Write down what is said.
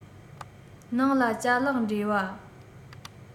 ནང ལ ཅ ལག འདྲེས པ